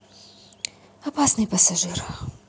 опасный пассажир